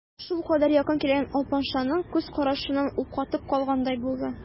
Шулкадәр якын килгән алпамшаның күз карашыннан ул катып калгандай булды.